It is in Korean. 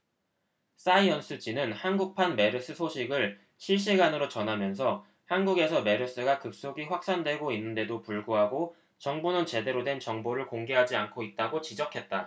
사이언스지는 한국판 메르스 소식을 실시간으로 전하면서 한국에서 메르스가 급속히 확산되고 있는데도 불구하고 정부는 제대로 된 정보를 공개하지 않고 있다고 지적했다